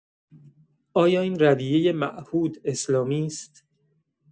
آیا این رویۀ معهود اسلامی است؟